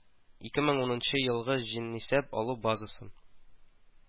Ике мең икенче елгы җанисәп алу базасы